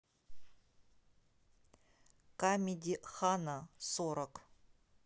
камеди хана сорок